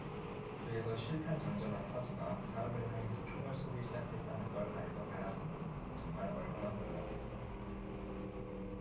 뒤에서 실탄 장전한 사수가 사람을 향해 총을 쏘기 시작했다는 걸 알았으니 정말 얼마나 놀랐겠어